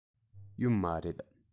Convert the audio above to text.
ཡོད མ རེད